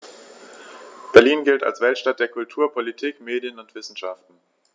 Berlin gilt als Weltstadt der Kultur, Politik, Medien und Wissenschaften.